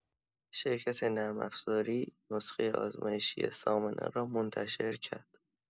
شرکت نرم‌افزاری نسخه آزمایشی سامانه را منتشر کرد.